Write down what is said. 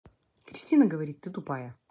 кристина говорит что ты тупая